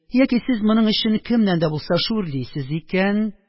– яки сез моның өчен кемнән дә булса шүрлисез икән